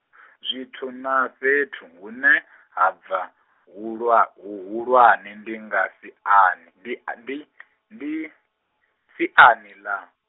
zwi thu na fhethu hune, ha bva hulwa- huhulwane ndi nga siani, ndi a ndi ndi siani la-.